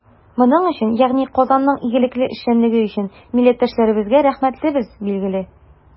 Моның өчен, ягъни Казанның игелекле эшчәнлеге өчен, милләттәшләребезгә рәхмәтлебез, билгеле.